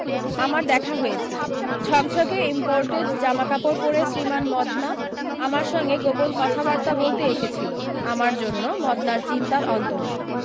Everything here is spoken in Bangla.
আমার দেখা হয়েছিলো ঝকঝকে ইম্পোরটেড জামাকাপড় পরে শ্রীমান মদনা আমার সঙ্গে গোপন কথাবার্তা বলতে এসেছিল আমার জন্য মদনার চিন্তার অন্ত নেই